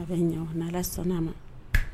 A bɛ ɲafɛ ala sɔnna na